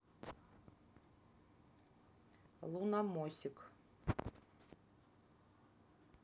луномосик